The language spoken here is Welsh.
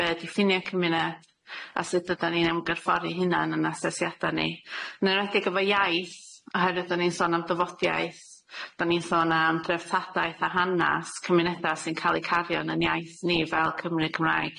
be' ydi ffunie cymuned a sud ydan ni'n ymgyrffori hunan yn asesiada ni yn enwedig efo iaith oherwydd o'n i'n sôn am dafodiaeth do'n i'n sôn am dreftadaeth a hanas cymuneda sy'n ca'l eu cario yn yn iaith ni fel Cymry Cymraeg